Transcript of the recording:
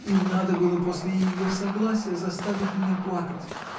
— И надо было после ее согласия заставить меня плакать!.